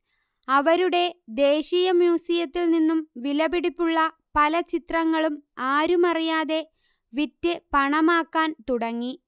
അവരുടെ ദേശീയമ്യൂസിയത്തിൽ നിന്നും വിലപിടിപ്പുള്ള പല ചിത്രങ്ങളും ആരുമറിയാതെ വിറ്റ് പണമാക്കാൻ തുടങ്ങി